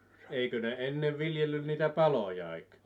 eikö ne ennen viljellyt niitä palojakin